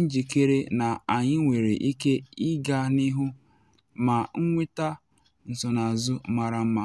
njikere na anyị nwere ike ịga n’ihu ma nweta nsonaazụ mara mma.